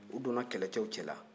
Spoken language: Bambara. u doona kɛlɛcɛw cɛ la